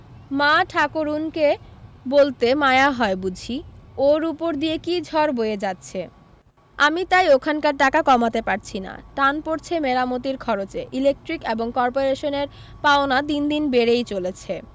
মা ঠাকরুনকে বলতে মায়া হয় বুঝি ওর ওপর দিয়ে কী ঝড় বয়ে যাচ্ছে আমি তাই ওখানকার টাকা কমাতে পারছি না টান পড়ছে মেরামতির খরচে ইলেকট্রিক এবং কর্পোরেশনের পাওনা দিনদিন বেড়ই চলেছে